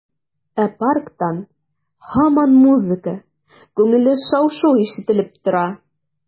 Ә парктан һаман музыка, күңелле шау-шу ишетелеп тора.